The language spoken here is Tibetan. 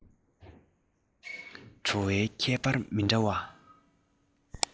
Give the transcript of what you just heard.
བྲོ བའི ཁྱད པར མི འདྲ བ